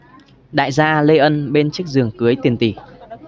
đại gia lê ân bên chiếc giường cưới tiền tỉ